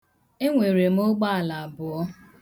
E nwere m ụgbọala abụọ.